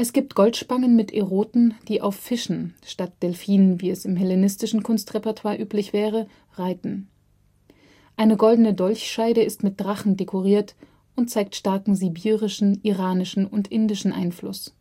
gibt Goldspangen mit Eroten, die auf Fischen (statt Delphinen, wie es im hellenistischen Kunstrepertoire üblich wäre) reiten. Eine goldene Dolchscheide ist mit Drachen dekoriert und zeigt starken sibirischen, iranischen und indischen Einfluss